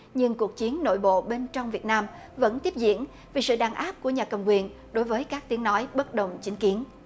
nhưng cuộc chiến nội bộ bên trong việt nam vẫn tiếp diễn vì sự đàn áp của nhà cầm quyền đối với các tiếng nói bất đồng chính kiến